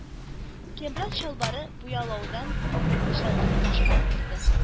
Кәмран чалбары буялудан курыкмыйча зур ташка утырды